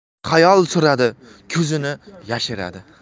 xayol suradi ko'zini yashiradi